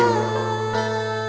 ngủ